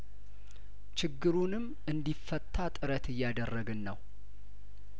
ችግሩንም እንዲፈታ ጥረት እያደረግን ነው